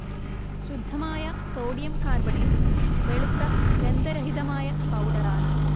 ശുദ്ധമായ sodium carbonate വെളുത്ത ഗന്ധരഹിതമായ പൗഡറാണ്